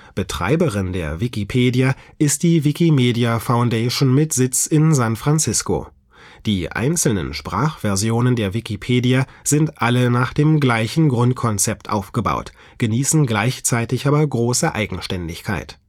Betreiberin der Wikipedia ist die Wikimedia Foundation mit Sitz in San Francisco. Die einzelnen Sprachversionen der Wikipedia sind alle nach dem gleichen Grundkonzept aufgebaut, genießen gleichzeitig aber große Eigenständigkeit